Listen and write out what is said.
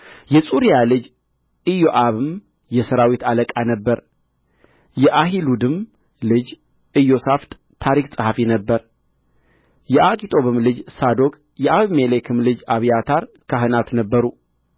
የጽሩያ ልጅ ኢዮአብም የሠራዊት አለቃ ነበረ የአሒሉድም ልጅ ኢዮሣፍጥ ታሪክ ጸሐፊ ነበረ የአኪጦብም ልጅ ሳዶቅ የአቢሜሌክም ልጅ አብያታር ካህናት ነበሩ